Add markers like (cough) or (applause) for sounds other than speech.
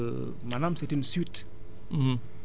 (hesitation) maanaam c' est une suite